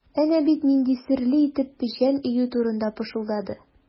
Әнә бит нинди серле итеп печән өю турында пышылдады.